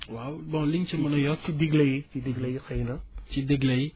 waaw bon liñ ci mën a yokk digle yi digle yi xëy na ci digle yi